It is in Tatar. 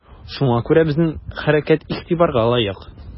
Шуңа күрә безнең хәрәкәт игътибарга лаек.